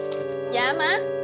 dạ má